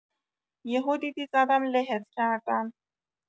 یهو دیدی زدم لهت کردم!